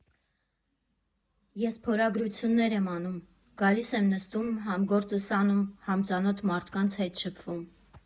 Ես փորագրություններ եմ անում, գալիս եմ նստում, համ գործս անում, համ ծանոթ մարդկանց հետ շփվում։